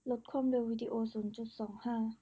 ลดความเร็ววีดีโอศูนย์จุดสองห้า